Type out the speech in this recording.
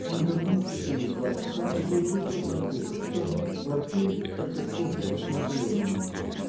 Он вернулся через два часа и получил тот же ответ, причем лакей как-то косо посмотрел на него.